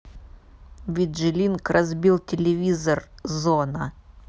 виджи линк разбил телевизор зона